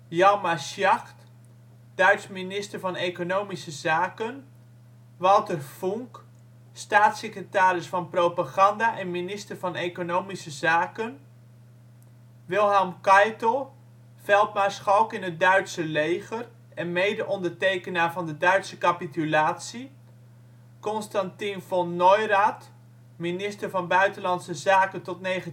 Hjalmar Schacht (Duits minister van economische zaken) Walther Funk (Staatssecretaris van Propaganda en Minister van Economische Zaken) Wilhelm Keitel (Veldmaarschalk in het Duitse leger en medeondertekenaar van de Duitse capitulatie) Konstantin von Neurath (minister van buitenlandse zaken tot 1938